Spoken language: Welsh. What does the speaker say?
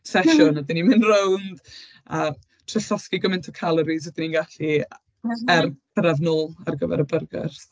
sesiwn... ha ha! ...a dan ni'n mynd rownd a trio llosgi gymaint o calories a dan ni'n gallu a-... ...a cyrraedd yn nôl ar gyfer y byrgyrs.